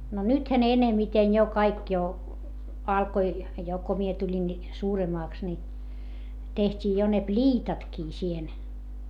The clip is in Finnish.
no nythän ne enemmiten jo kaikki jo alkoi jo kun minä tulin niin suuremmaksi niin tehtiin jo ne pliitatkin siihen